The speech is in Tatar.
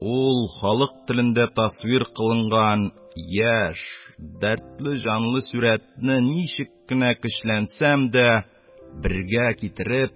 Ул, халык телендә тасвир кылынган яшь, дәртле җанлы сурәтне, ничек кенә көчләнсәм дә, бергә китереп